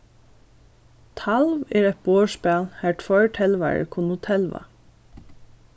talv er eitt borðspæl har tveir telvarar kunnu telva